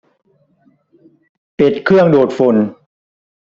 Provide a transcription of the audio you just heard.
ปิดเครื่องดูดฝุ่น